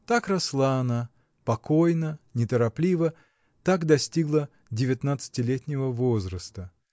Так росла она -- покойно, неторопливо, так достигла девятнадцатилетнего возраста.